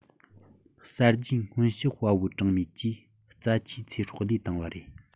གསར བརྗེའི སྔོན གཤེགས དཔའ བོ གྲངས མེད ཀྱིས རྩ ཆེའི ཚེ སྲོག བློས བཏང བ རེད